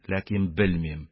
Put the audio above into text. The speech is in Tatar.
Ләкин, белмим,